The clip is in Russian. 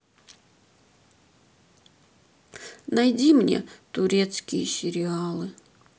найди мне турецкие сериалы